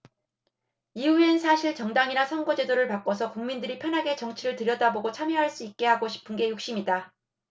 이후엔 사실 정당이나 선거제도를 바꿔서 국민들이 편하게 정치를 들여다보고 참여할 수 있게 하고 싶은 게 욕심이다